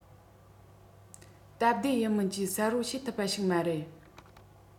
སྟབས བདེ ཡིན མིན གྱིས གསལ པོར བཤད ཐུབ པ ཞིག མ རེད